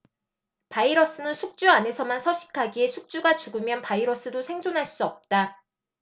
바이러스는 숙주 안에서만 서식하기에 숙주가 죽으면 바이러스도 생존할 수 없다